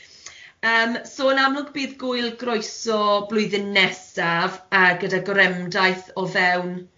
Yym son am gŵyl groeso blwyddyn nesaf ag gyda goremdaith o fewn.